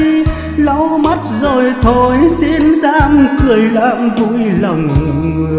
lau mắt rồi thôi xin gắng cười làm vui lòng người